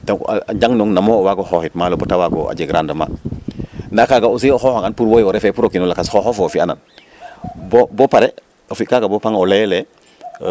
donc a njangnong o waag o xooxit maalo bo ta waag o jeganong rendement ndaa kaga aussi o xooxangan pour wo' o refee pour o kiin o lakas xooxof o o fi'anan boo pare o fi' kaaga boo reta panga o layel lee